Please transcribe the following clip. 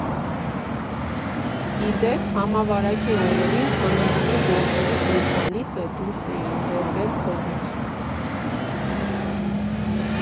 Ի դեպ, համավարակի օրերին թանգարանի գորգերից մի քանիսը դուրս էին բերվել փողոց։